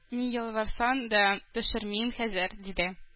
Ни ялварсаң да төшермим хәзер! — диде.